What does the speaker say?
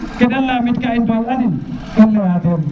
ke de lamit ka in to andin